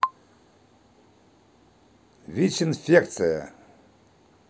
вич инфекция